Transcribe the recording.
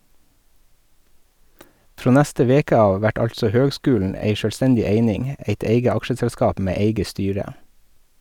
Frå neste veke av vert altså høgskulen ei sjølvstendig eining, eit eige aksjeselskap med eige styre.